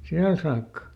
siellä saakka